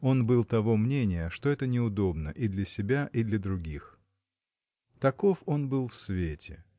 Он был того мнения, что это неудобно – и для себя и для других. Таков он был в свете.